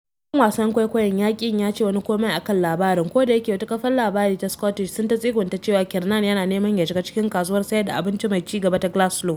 Ɗan wasan kwaikwayon ya ki yin ya ce wani kome a kan labarin, kodayake wata kafar labari ta Scottish Sun ta tsegunta cewa Kiernan yana neman ya shiga cikin “kasuwar sayar da abinci mai ci gaba” ta Glasgow.